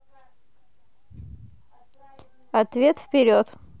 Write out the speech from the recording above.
ответ вперед